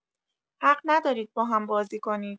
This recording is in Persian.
حق ندارید با هم‌بازی کنید.